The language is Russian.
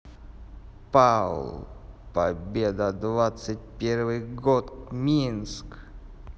paul победа двадцать первый год минск